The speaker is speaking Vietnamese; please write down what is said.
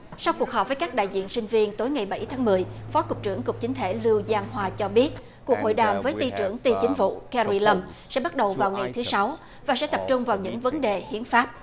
sau cuộc họp với các đại diện sinh viên tối ngày bảy tháng mười phó cục trưởng cục chính thể lưu giang hoa cho biết cuộc hội đàm với tuy trưởng ty chính phủ ca ri lâm sẽ bắt đầu vào ngày thứ sáu và sẽ tập trung vào những vấn đề hiến pháp